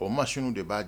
O mas sun de b'a